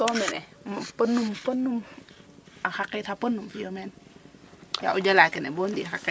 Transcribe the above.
so mene pod num pod num xa qid xa pod num fiya men ya o jala kene bo ndik xa qid xa pod num fiyo teen